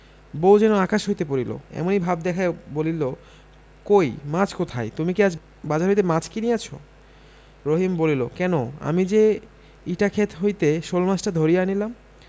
বউ যেন আকাশ হইতে পড়িল এমনি ভাব দেখাইয়া বলিল কই মাছ কোথায় তুমি কি আজ বাজার হইতে মাছ কিনিয়াছ রহিম বলিল কেন আমি যে আজ ইটা ক্ষেত হইতে শোলমাছটা ধরিয়া আনিলাম